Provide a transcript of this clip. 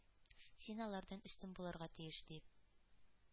Син алардан өстен булырга тиеш!“ — ди.